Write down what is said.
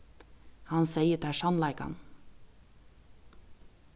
hann segði tær sannleikan